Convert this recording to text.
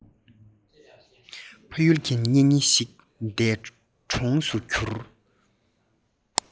ཕ ཡུལ གྱི གཉེན ཉེ ཞིག འདས གྲོངས སུ གྱུར